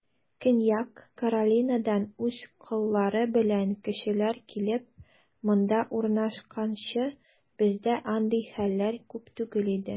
Көньяк Каролинадан үз коллары белән кешеләр килеп, монда урнашканчы, бездә андый хәлләр күп түгел иде.